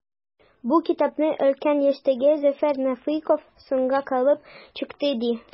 Бу китапны өлкән яшьтәге Зөфәр Нәфыйков “соңга калып” чыкты, ди.